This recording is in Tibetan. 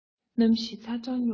གནམ གཤིས ཚ གྲང སྙོམས པ